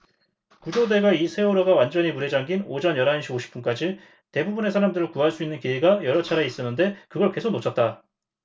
구조대가 이 세월호가 완전히 물에 잠긴 오전 열 한 시 오십 분까지 대부분의 사람들을 구할 수 있는 기회가 여러 차례 있었는데 그걸 계속 놓쳤다